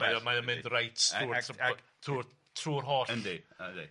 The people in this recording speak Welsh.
Mae o mae o'n mynd reit trwy'r trwy'r trwy'r holl... Yndy yndy...